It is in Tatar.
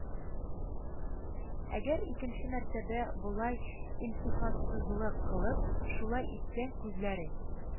Әгәр икенче мәртәбә болай илтифатсызлык кылып, шулай итсәң, күзләрең